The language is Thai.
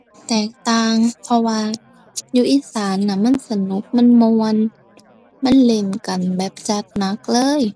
แตกต่าง เพราะว่าอยู่อีสานน่ะ มันสนุก มันม่วน มันเล่นกันแบบจัดหนักเลย